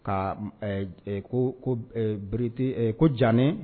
Ka ko ko berete ko diyanen